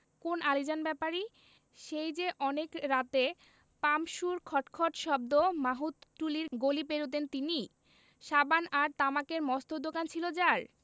কোন আলীজান ব্যাপারী সেই যে অনেক রাতে পাম্পসুর খট খট শব্দ মাহুতটুলির গলি পেরুতেন তিনি সাবান আর তামাকের মস্ত দোকান ছিল যার